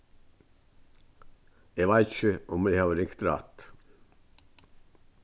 eg veit ikki um eg havi ringt rætt